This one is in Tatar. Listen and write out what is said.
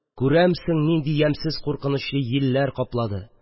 Күрәмсең, нинди ямьсез куркынычлы йилләр каплады